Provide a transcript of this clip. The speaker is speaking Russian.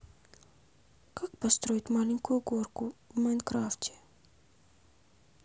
как построить маленькую горку в майнкрафте